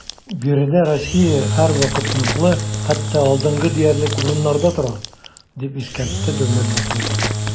Биредә Россия һәрвакыт ныклы, хәтта алдынгы диярлек урыннарда тора, - дип искәртте дәүләт башлыгы.